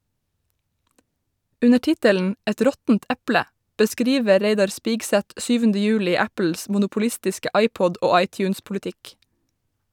Under tittelen "Et råttent eple" beskriver Reidar Spigseth syvende juli Apples monopolistiske iPod- og iTunes-politikk.